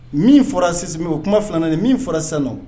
Min fɔra sisin o kuma filanan nin min fɔra sa